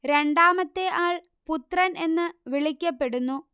രണ്ടാമത്തെ ആൾ പുത്രൻ എന്ന് വിളിക്കപ്പെടുന്നു